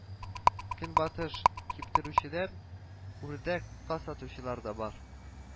Көнбагыш киптерүчеләр, үрдәк, каз сатучылар да бар